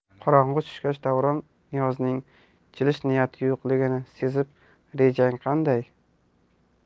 qorong'i tushgach davron niyozning jilish niyati yo'qligini sezib rejang qanday